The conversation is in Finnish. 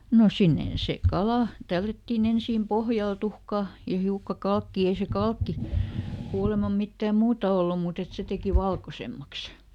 no sinne se kala tällättiin ensin pohjalle tuhkaa ja hiukan kalkkia ei se kalkki kuulemma mitään muuta ollut mutta että se teki valkoisemmaksi